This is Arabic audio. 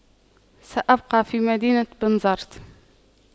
سأبقى في مدينة بنزرت